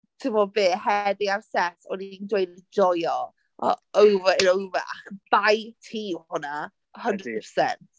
Timod be? Heddi ar set, oni'n dweud joio over and over ac bai ti yw hwnna hundred percent.